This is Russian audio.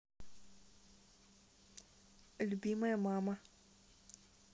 любимая мама